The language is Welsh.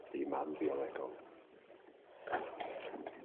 ...ei mam biolegol.